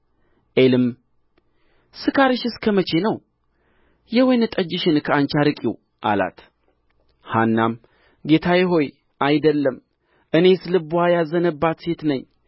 ዔሊም ስካርሽ እስከ መቼ ነው የወይን ጠጅሽን ከአንቺ አርቂው አላት ሐናም ጌታዬ ሆይ አይደለም እኔስ ልብዋ ያዘነባት ሴት ነኝ